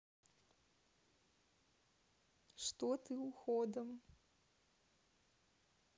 что ты уходом